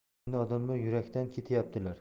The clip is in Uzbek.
endi odamlar yurakdan ketyaptilar